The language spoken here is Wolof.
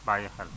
bàyyi xel